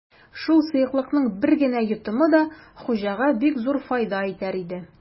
Шул сыеклыкның бер генә йотымы да хуҗага бик зур файда итәр иде.